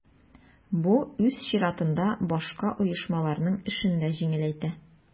Бу үз чиратында башка оешмаларның эшен дә җиңеләйтә.